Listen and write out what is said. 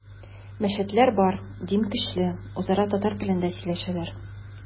Мәчетләр бар, дин көчле, үзара татар телендә сөйләшәләр.